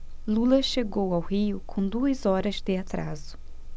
lula chegou ao rio com duas horas de atraso